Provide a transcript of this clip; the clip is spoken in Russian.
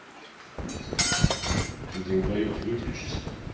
ты долбоеб выключись